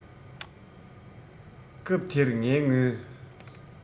སྐབས དེར ངའི ངོས